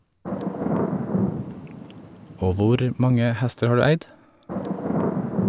- Og hvor mange hester har du eid?